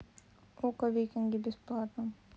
окко викинги бесплатно